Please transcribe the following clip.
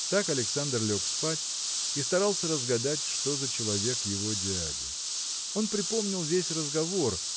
Так Александр лег спать и старался разгадать, что за человек его дядя. Он припомнил весь разговор